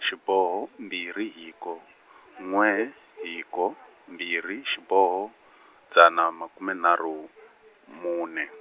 xiboho mbirhi hiko, n'we hiko, mbirhi xiboho, dzana makume nharhu , mune.